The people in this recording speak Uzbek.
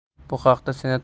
bu haqda senat